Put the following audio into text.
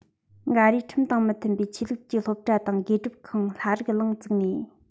འགའ རེས ཁྲིམས དང མི མཐུན པའི ཆོས ལུགས ཀྱི སློབ གྲྭ དང དགེ སྒྲུབ ཁང ལྷ རིག གླིང བཙུགས ནས